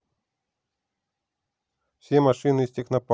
все машины из технопарка